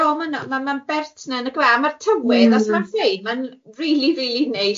O ma'n o- ma'n ma'n bert ne nag yw e, a ma'r tywydd os ma'n ffein ma'n rili rili neis.